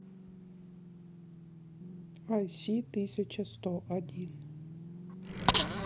ай си тысяча сто один